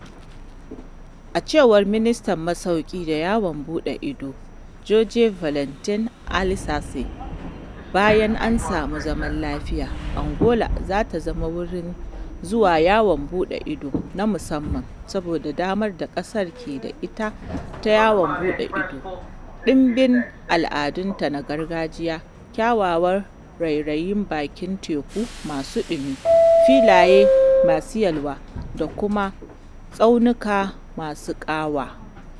A cewar Ministan Masauƙi da Yawon Buɗe Ido, Jorge Valentim Alicerces, "bayan an samu zaman lafiya, Angola za ta zama wurin zuwa yawon buɗe ido na musamman saboda damar da ƙasar ke da ita ta yawon buɗe ido, ɗimbin al'adunta na gargajiya, kyawawan rairayin bakin teku masu ɗumi, filaye masu yalwa, da kuma tsaunukan masu ƙawa."